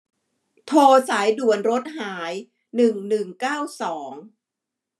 โทรสายด่วนรถหายหนึ่งหนึ่งเก้าสอง